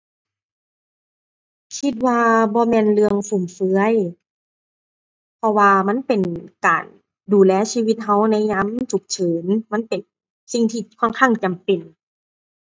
คิดว่าบ่แม่นเรื่องฟุ่มเฟือย เพราะว่ามันเป็นการดูแลชีวิตเราในยามฉุกเฉิน มันเป็นสิ่งที่ค่อนข้างจำเป็น